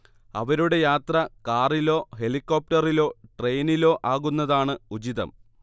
അവരുടെ യാത്ര കാറിലോ ഹെലികോ്ര്രപറിലോ ട്രെയിനിലോ ആകുന്നതാണ് ഉചിതം